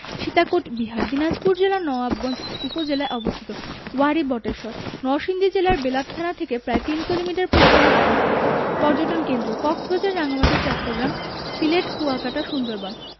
সীতাকোট বিহার দিনাজপুর জেলার নওয়াবগঞ্জ উপজেলায় অবস্থিত ওয়ারী বটেশ্বর নরসিংদী জেলার বেলাব থানা থেকে প্রায় তিন কিলোমিটার পশ্চিমে অবস্থিত পর্যটন কেন্দ্রঃ কক্সবাজার রাঙ্গামাটি চট্টগ্রাম সিলেট কুয়াকাটা সুন্দরবন